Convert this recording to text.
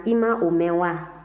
i ma o mɛn wa